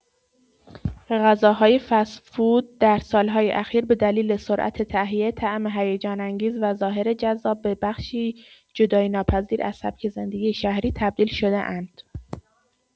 غذاهای فست‌فود در سال‌های اخیر به دلیل سرعت تهیه، طعم هیجان‌انگیز و ظاهر جذاب به بخشی جدایی‌ناپذیر از سبک زندگی شهری تبدیل شده‌اند.